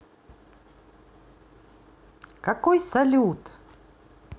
какой салют